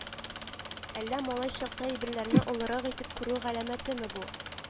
Әллә малай чакта әйберләрне олырак итеп күрү галәмәтеме бу